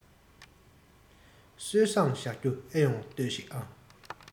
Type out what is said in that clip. སྲོལ བཟང གཞག རྒྱུ ཨེ ཡོང ལྟོས ཤིག ཨང